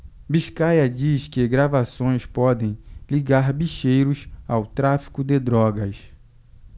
biscaia diz que gravações podem ligar bicheiros ao tráfico de drogas